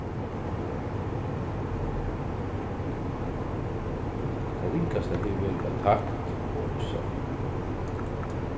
tað ringasta hevði verið at tagt og einki sagt